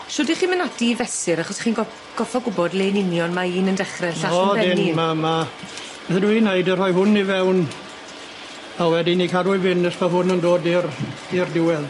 Shwd 'ych chi'n myn' ati i fesur achos chi'n go- goffo gwbod le yn union ma' un yn dechre a'r llall yn bennu? O ydyn ma' ma' beth ydw i'n neud y' rhoi hwn i fewn a wedyn 'i cadw i fynd nes ma' hwn yn dod i'r i'r diwedd.